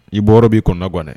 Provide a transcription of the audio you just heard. I bɔ yɔrɔ bi kɔnɔna gan dɛ.